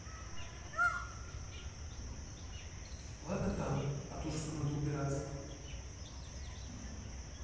ладно там а тут что надо убираться